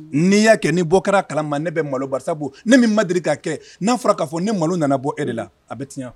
N'i y'a kɛ'i bɔ kɛra kala ne bɛ malo basa ne min madiri ka kɛ n'a fɔra k'a fɔ ne malo nana bɔ e de la a bɛ tiɲɛ